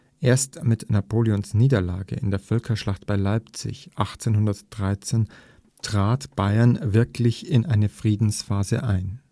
Erst mit Napoleons Niederlage in der Völkerschlacht bei Leipzig 1813 trat Bayern wirklich in eine Friedensphase ein